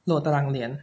โหลดตารางเรียน